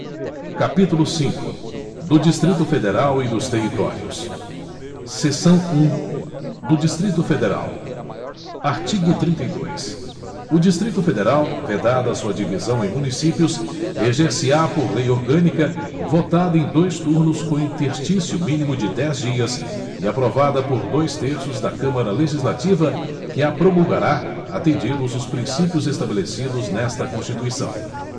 capítulo cinco do distrito federal e dos territórios seção um do distrito federal artigo trinta e dois o distrito federal vedada sua divisão em municípios reger se á por lei orgânica votada em dois turnos com interstício mínimo de dez dias e aprovada por dois terços da câmara legislativa que a promulgará atendidos os princípios estabelecidos nesta constituição